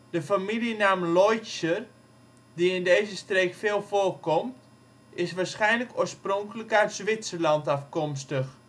De familienaam Leutscher die in deze streek veel voorkomt is waarschijnlijk oorspronkelijk uit Zwitserland afkomstig